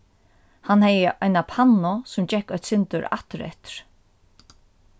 hann hevði eina pannu sum gekk eitt sindur aftureftir